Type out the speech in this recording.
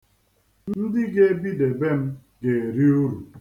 Ndị ga-ebidebe m ga-eri uru.